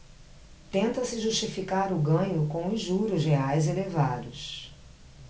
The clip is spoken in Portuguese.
tenta-se justificar o ganho com os juros reais elevados